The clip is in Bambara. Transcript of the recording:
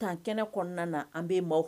An tan kɛnɛ kɔnɔna na an b bɛ maaw fɛ